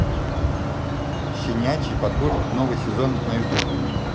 щенячий патруль новый сезон на ютуб